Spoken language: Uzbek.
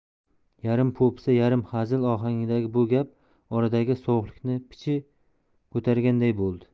yarim po'pisa yarim hazil ohangidagi bu gap oradagi sovuqlikni picha ko'targanday bo'ldi